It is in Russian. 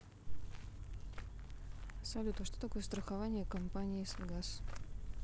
салют а что такое страхование компании согаз